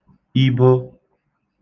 ibo